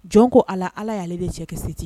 Jɔn ko ala ala y'ale de cɛ kɛ setigi